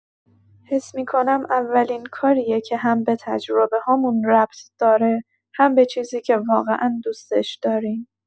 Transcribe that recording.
حس می‌کنم اولین کاریه که هم به تجربه‌هامون ربط داره، هم به چیزی که واقعا دوستش داریم.